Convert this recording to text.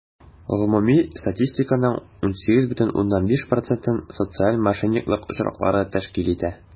Гомуми статистиканың 18,5 процентын социаль мошенниклык очраклары тәшкил итә.